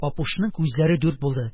Апушның күзләре дүрт булды: